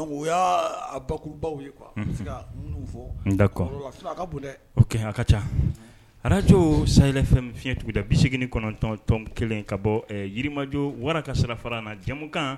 U y' a babaw ye kuwa n fɔ n da ka bon dɛ o ka ca arajo say fɛn fiɲɛtigida bise kɔnɔntɔntɔn kelen ka bɔ yirimaj wara ka sirara na jamumu kan